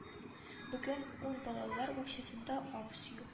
Бүген ун балалар бакчасында апс юк